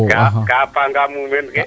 kaa paanga mumeen ke